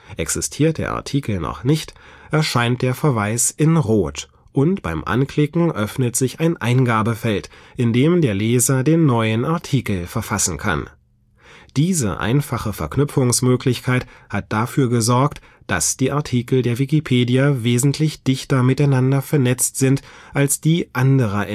Existiert der Artikel noch nicht, erscheint der Verweis in Rot, und beim Anklicken öffnet sich ein Eingabefeld, in dem der Leser den neuen Artikel verfassen kann. Diese einfache Verknüpfungsmöglichkeit hat dafür gesorgt, dass die Artikel der Wikipedia wesentlich dichter miteinander vernetzt sind als die anderer